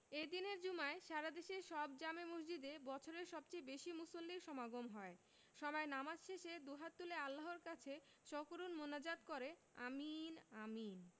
এ দিনের জুমায় সারা দেশের সব জামে মসজিদে বছরের সবচেয়ে বেশি মুসল্লির সমাগম হয় সবাই নামাজ শেষে দুহাত তুলে আল্লাহর কাছে সকরুণ মোনাজাত করে আমিন আমিন